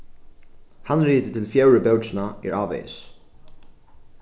handritið til fjórðu bókina er ávegis